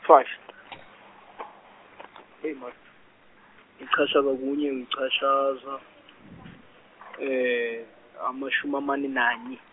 ichashaza kunye ichashaza amashum' amane nanye.